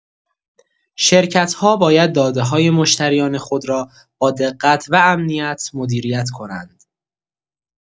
شرکت‌ها باید داده‌های مشتریان خود را با دقت و امنیت مدیریت کنند.